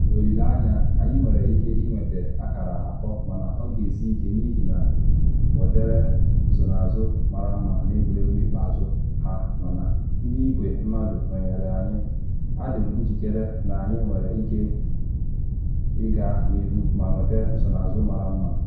N’olile anya, anyị nwere ike ịnweta akara atọ mana ọ ga-esi ike n’ihi ha nwetara nsonaazụ mara mma n’egwuregwu ikpeazụ ha mana, ndị igwe mmadụ nọnyere anyị, adị m njikere na anyị nwere ike ịga n’ihu ma nweta nsonaazụ mara mma.